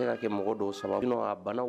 An y'a k'ɛ mɔgɔ dɔw sababu sinon a bannaw